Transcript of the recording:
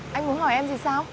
anh muốn hỏi em gì sao